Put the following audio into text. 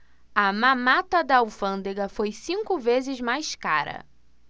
a mamata da alfândega foi cinco vezes mais cara